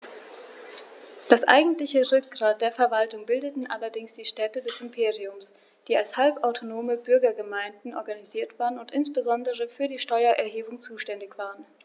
Das eigentliche Rückgrat der Verwaltung bildeten allerdings die Städte des Imperiums, die als halbautonome Bürgergemeinden organisiert waren und insbesondere für die Steuererhebung zuständig waren.